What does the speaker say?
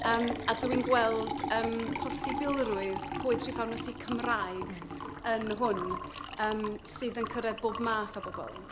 yym dwi'n gweld yym posibilrwydd Poetry Pharmacy Cymraeg... m-hm. ...yn hwn, yym sydd yn cyrraedd bob math o bobl.